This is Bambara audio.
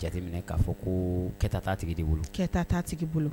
Jateminɛ k'a fɔ ko kɛta t'a tigi bolo, kɛta taa tigi bolo.